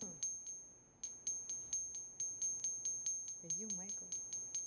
пойдем майкл